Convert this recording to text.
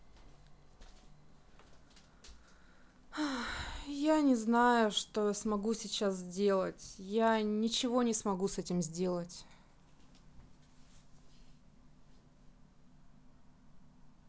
я не знаю что я смогу сейчас сделать я ничего не смогу с этим сделать